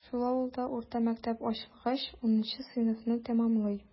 Шул авылда урта мәктәп ачылгач, унынчы сыйныфны тәмамлый.